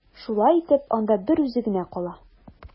Шулай итеп, анда берүзе генә кала.